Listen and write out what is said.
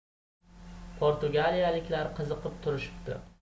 portugaliyaliklar qiziqib turishibdi